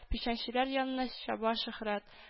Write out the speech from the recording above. Печәнчеләр янына чаба шөһрәт